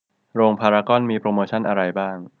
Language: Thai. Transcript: โรงพารากอนมีโปรโมชันอะไรบ้าง